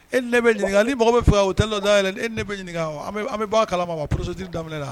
E ne bɛ ɲininka ni mɔgɔ bɛ fɛ o tɛ dɔ daɛlɛn e bɛ ɲininka bɛ bɔ kalama ma porositiri daminɛ la